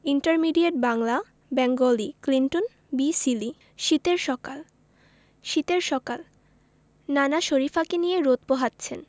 intermediate Bangla Bengali Clinton B Seely শীতের সকাল শীতের সকাল নানা শরিফাকে নিয়ে রোদ পোহাচ্ছেন